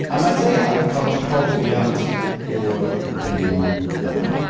A ma' Eseia yn cael profiad o'r Duw yma.